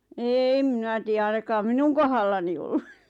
en minä tiedä ainakaan minun kohdallani ollut